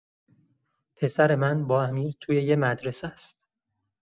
پسر من با امیر توی یه مدرسه‌ست.